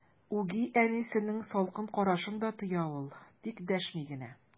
Үги әнисенең салкын карашын да тоя ул, тик дәшми генә.